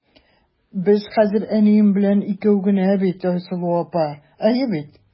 Без хәзер әнием белән икәү генә бит, Айсылу апа, әйе бит?